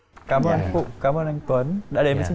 cám ơn phụng cám ơn anh tuấn đã đến với